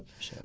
incha allah